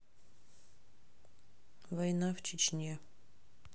война в чечне